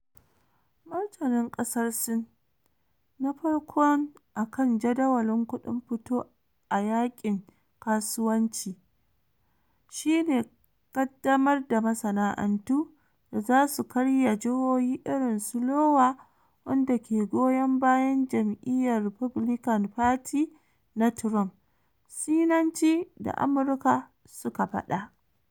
Martanin kasar Sin na farkon akan jadawalin kuɗin fito a yakin kasuwanci shi ne kaddamar da masana'antu da za su karya jihohi irin su Iowa wanda dake goyon bayan Jam'iyyar Republican Party na Trump, Sinanci da Amurka suka fada.